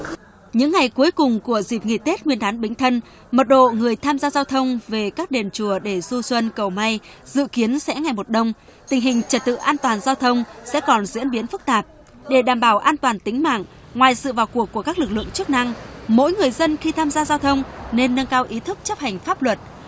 những ngày cuối cùng của dịp nghỉ tết nguyên đán bính thân mật độ người tham gia giao thông về các đền chùa để du xuân cầu may dự kiến sẽ ngày một đông tình hình trật tự an toàn giao thông sẽ còn diễn biến phức tạp để đảm bảo an toàn tính mạng ngoài sự vào cuộc của các lực lượng chức năng mỗi người dân khi tham gia giao thông nên nâng cao ý thức chấp hành pháp luật